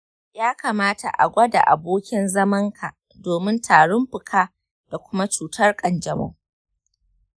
ya kamata a gwada abokin zamanka domin tarin fuka da kuma cutar ƙanjamau.